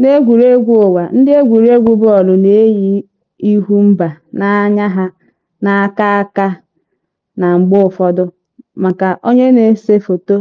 N'egwuregwu ụwa, ndị egwuregwu bọọlụ na-eyi ịhụ mba n'anya ha na aka aka na mgbe ụfọdụ, maka onye na-ese foto